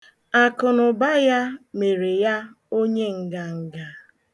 Akụnụụba ya mere ya onye nganga.